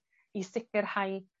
i sicirhau